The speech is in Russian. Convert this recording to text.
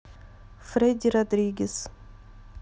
фредди родригес